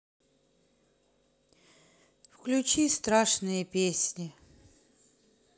включи страшные песни